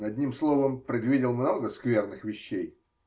одним словом, предвидел много скверных вещей.